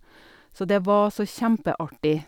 Så det var så kjempeartig.